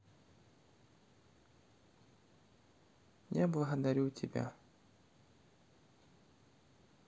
я благодарю тебя